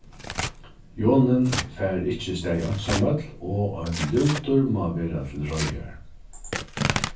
jonin fær ikki staðið einsamøll og ein lútur má verða til reiðar